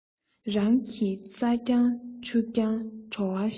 རང གི རྩ རྐྱང ཆུ རྐྱང བྲོ བ ཞིམ